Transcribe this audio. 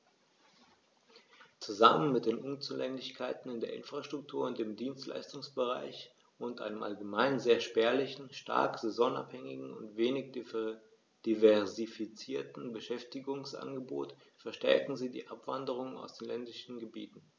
Zusammen mit den Unzulänglichkeiten in der Infrastruktur und im Dienstleistungsbereich und einem allgemein sehr spärlichen, stark saisonabhängigen und wenig diversifizierten Beschäftigungsangebot verstärken sie die Abwanderung aus den ländlichen Gebieten.